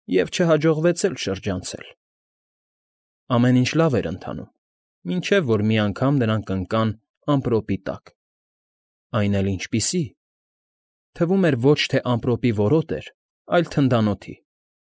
Եվ չհաջողվեց էլ շրջանցել… Ամեն ինչ լավ էր ընթանում, մինչև որ մի անգամ նրանք ընկան ամպրոպի տակ, այն էլ ինչպիսի… թվում էր ոչ թե ամպրոպի որոտ էր, այլ թնդանոթի։